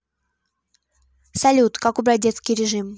салют как убрать детский режим